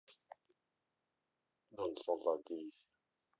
дон солдат дивизии